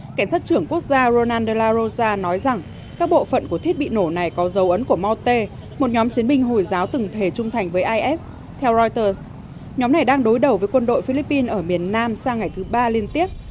cảnh sát trưởng quốc gia rô nan đê la rô sa nói rằng các bộ phận của thiết bị nổ này có dấu ấn của mo tê một nhóm chiến binh hồi giáo từng thề trung thành với ai ét theo roi tơ nhóm này đang đối đầu với quân đội phi líp bin ở miền nam sang ngày thứ ba liên tiếp